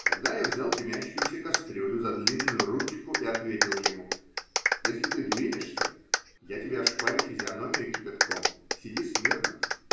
Тогда я взял дымящуюся кастрюлю за длинную ручку и ответил ему: -- Если ты двинешься, я тебе ошпарю физиономию кипятком. Сиди смирно.